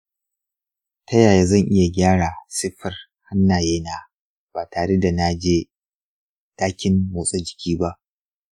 ta yaya zan iya gyara siffar hannayena ba tare da na je dakin motsa jiki ba?